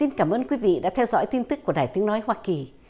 xin cảm ơn quý vị đã theo dõi tin tức của đài tiếng nói hoa kỳ